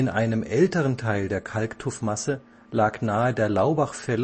einem älteren Teil der Kalktuffmasse lag nahe der Laubachfälle